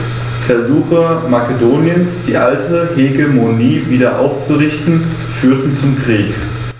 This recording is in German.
Versuche Makedoniens, die alte Hegemonie wieder aufzurichten, führten zum Krieg.